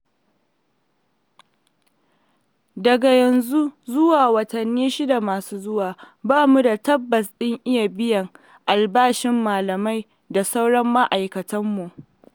Daga yanzu zuwa watanni shida masu zuwa, ba mu da tabbas ɗin iya biyan albashin malamai da sauran ma'aikatanmu.